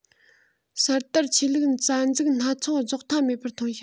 གསར དར ཆོས ལུགས རྩ འཛུགས སྣ ཚོགས རྫོགས མཐའ མེད པར ཐོན ཞིང